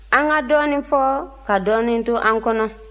an ka dɔɔnin fɔ ka dɔɔnin to an kɔnɔ